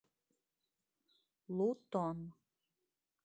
лутон